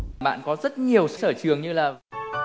bạn có rất nhiều sở trường như là